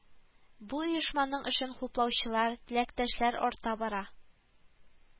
Бу оешманың эшен хуплаучылар, теләктәшләр арта бара